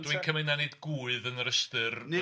A dwi'n cymryd na nid gwydd yn yr ystyr faswn i,